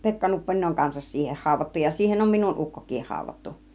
Pekka Nupponen on kanssa siihen haudattu ja siihen on minun ukkokin haudattu